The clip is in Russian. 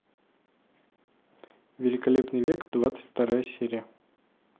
великолепный век двадцать вторая серия